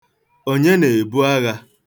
Onye na-ebu agha?